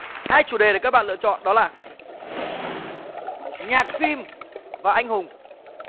hai chủ đề để các bạn lựa chọn đó là nhạc phim và anh hùng